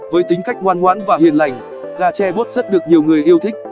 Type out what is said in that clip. với tính cách ngoan ngoãn và hiền lành gà tre bốt rất được nhiều người yêu thích